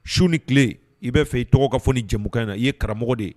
Su ni tile i b'a fɛ i tɔgɔ ka fɔ ni jɛkan in na i ye karamɔgɔ de ye